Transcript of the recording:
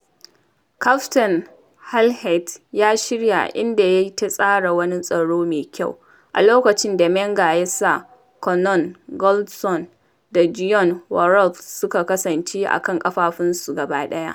Kaftin Halkett ya shirya, inda ya yi ta tsara wani tsaro mai kyau, a lokacin da Menga ya sa Connor Goldson da Joe Worrall suka kasance a kan ƙafafunsu gaba ɗaya.